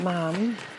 mam.